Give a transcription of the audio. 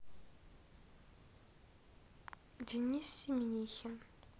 денис семенихин